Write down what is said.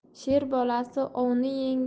sher bolasi ovni